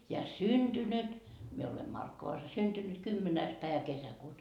ja syntynyt minä olen Markkovassa syntynyt kymmenes päivä kesäkuuta